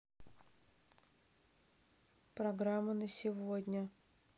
программа на сегодня